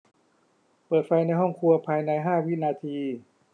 เปิดไฟในห้องครัวภายในห้าวินาที